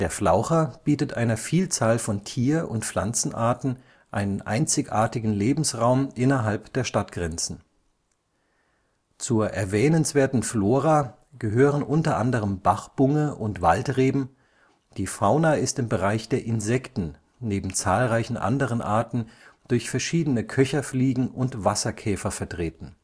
Flaucher bietet einer Vielzahl von Tier und Pflanzenarten einen einzigartigen Lebensraum innerhalb der Stadtgrenzen. Zur erwähnenswerten Flora gehören unter anderen Bachbunge und Waldreben, die Fauna ist im Bereich der Insekten neben zahlreichen anderen Arten durch verschiedene Köcherfliegen und Wasserkäfer vertreten